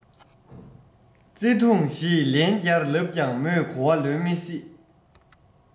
བརྩེ དུང ཞེས ལན བརྒྱར ལབ ཀྱང མོས གོ བ ལོན མི སྲིད